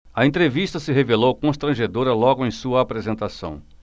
a entrevista se revelou constrangedora logo em sua apresentação